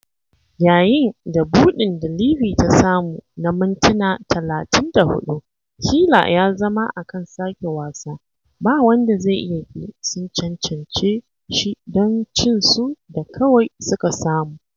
Yayin da buɗin da Livi ta samu na mintina 34 kila ya zama a kan sake wasa, ba wanda zai iya ƙi sun cancance shi don cinsu da kawai suka samu.